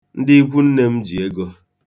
Ndị ikwunne m ji ego.